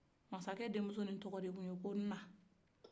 masakɛ denmuso in de tɔgɔ tun ye ko ina